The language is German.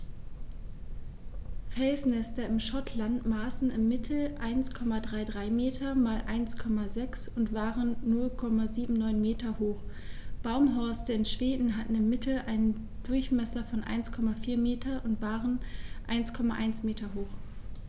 Felsnester in Schottland maßen im Mittel 1,33 m x 1,06 m und waren 0,79 m hoch, Baumhorste in Schweden hatten im Mittel einen Durchmesser von 1,4 m und waren 1,1 m hoch.